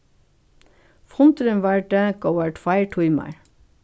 fundurin vardi góðar tveir tímar